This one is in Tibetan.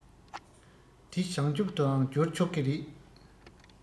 དེ བྱང ཆུབ ཏུའང བསྒྱུར ཆོག གི རེད